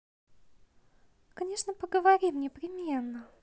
конечно поговорим непременно